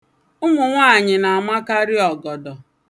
Ụmụ nwaanyị na-amakarị ọgọdọ.